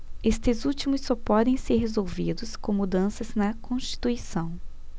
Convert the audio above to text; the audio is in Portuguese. estes últimos só podem ser resolvidos com mudanças na constituição